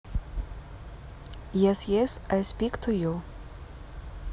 yes yes i speak to you